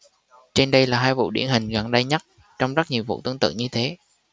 trên đây là hai vụ điển hình gần đây nhất trong rất nhiều vụ tương tự như thế